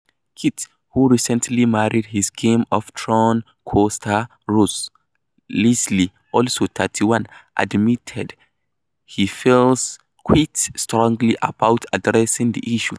Kit, who recently married his Game of Thrones co-star Rose Leslie, also 31, admitted he feels 'quite strongly' about addressing the issue.